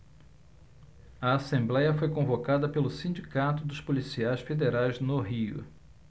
a assembléia foi convocada pelo sindicato dos policiais federais no rio